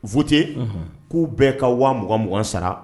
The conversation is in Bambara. Voter ku bɛɛ ka 20000 sara.